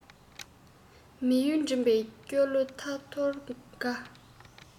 མི ཡུལ འགྲིམས པའི སྐྱོ གླུ ཐ ཐོར འགའ